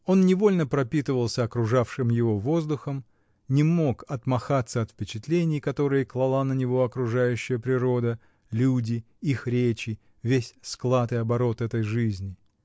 Он невольно пропитывался окружавшим его воздухом, не мог отмахаться от впечатлений, которые клала на него окружающая природа, люди, их речи, весь склад и оборот этой жизни.